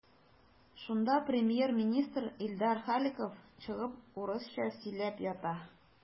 Шунда премьер-министр Илдар Халиков чыгып урысча сөйләп ята.